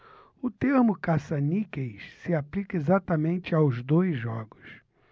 o termo caça-níqueis se aplica exatamente aos dois jogos